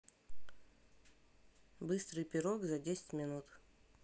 быстрый пирог за десять минут